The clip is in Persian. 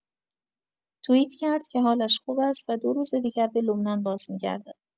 توئیت کرد که حالش خوب است و دو روز دیگر به لبنان بازمی‌گردد.